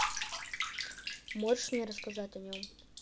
можешь мне рассказать о нем